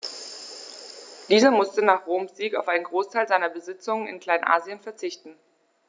Dieser musste nach Roms Sieg auf einen Großteil seiner Besitzungen in Kleinasien verzichten.